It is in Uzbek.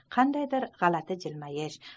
qandaydir g'alati jilmayar